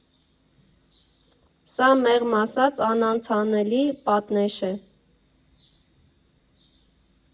Սա, մեղմ ասած, անանցանելի պատնեշ է։